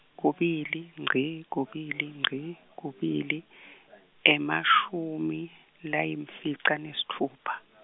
kubili ngci, kubili ngci, kubili, emashumi, layimfica nesitfupha.